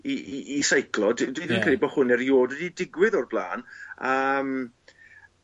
i i i seiclo. D- dwi ddim credu bo' hwn erio'd wedi digwydd o'r bla'n a yym ...